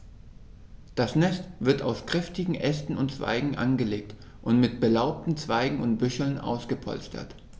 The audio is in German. Das Nest wird aus kräftigen Ästen und Zweigen angelegt und mit belaubten Zweigen und Büscheln ausgepolstert.